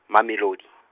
Mamelodi .